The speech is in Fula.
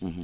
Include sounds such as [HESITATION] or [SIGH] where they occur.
[HESITATION] [HESITATION]